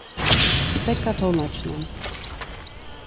steðga tónleikinum